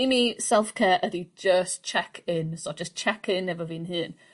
i mi self care ydi jyst check in so jyst check in efo fi'n hun.